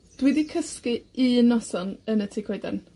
Dwi 'di cysgu un noson yn y tŷ coeden.